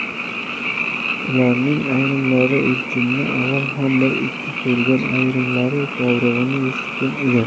ularning ayrimlari elchinni avval ham bir ikki ko'rgan ayrimlari dovrug'ini eshitgan edi